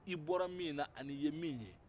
i bɔra min na an'i ye min ye